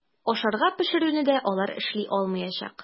Ашарга пешерүне дә алар эшли алмаячак.